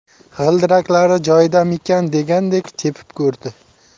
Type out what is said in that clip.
g'ildiraklari joyidamikin degandek tepib ko'rdi